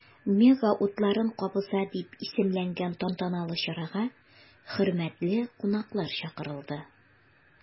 “мега утларын кабыза” дип исемләнгән тантаналы чарага хөрмәтле кунаклар чакырылды.